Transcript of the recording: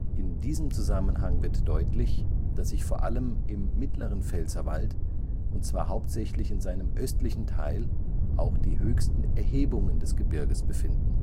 In diesem Zusammenhang wird deutlich, dass sich vor allem im Mittleren Pfälzerwald, und zwar hauptsächlich in seinem östlichen Teil, auch die höchsten Erhebungen des Gebirges befinden